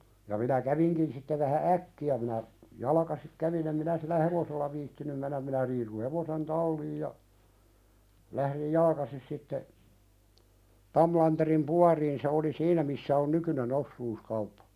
ja minä kävinkin sitten vähän äkkiä minä jalkaisin kävin en minä sillä hevosella viitsinyt mennä minä riisuin hevosen talliin ja lähdin jalkaisin sitten Tamlanderin baariin se oli siinä missä on nykyinen osuuskauppa